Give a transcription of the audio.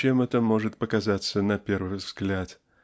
чем это может показаться на первый взгляд